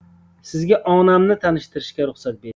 sizga onamni tanishtirishga ruxsat bering